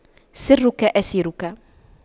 سرك أسيرك